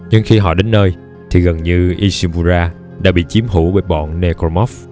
nhưng khi họ đến nơi thì gần như ishimura đã bị chiếm hữu bởi bọn necromorph